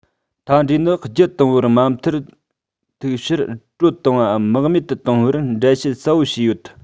མཐའ འབྲས ནི རྒྱུད འགྱུར བར མ མཐར ཐུག ཕྱིར སྐྲོད བཏང བའམ རྨེག མེད དུ བཏང བར འགྲེལ བཤད གསལ པོ བྱས ཡོད